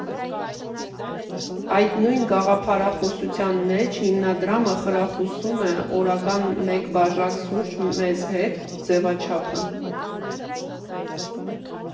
Այդ նույն գաղափարախոսության մեջ, հիմնադրամը խրախուսում է «Օրական մեկ բաժակ սուրճ մեզ հետ» ձևաչափը։